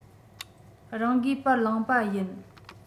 རང གིས པར བླངས པ ཡིན